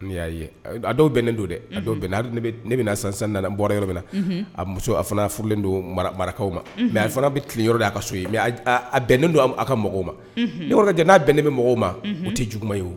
N' y'a ye a dɔw bɛnnen don dɛ bɛn ne bɛna na sansan nana n bɔra yɔrɔ min na a muso a fana furulen don marakaw ma mɛ a fana bɛ tilen yɔrɔ de' a ka so ye mɛ bɛnnen don ka mɔgɔw ma ne yɔrɔ n'a bɛnnen bɛ mɔgɔw ma u tɛ juguma ye o